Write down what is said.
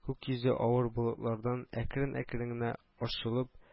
Күк йөзе, авыр болытлардан әкрен-әкрен генә арчылып